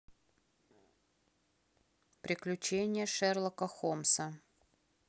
приключения шерлока холмса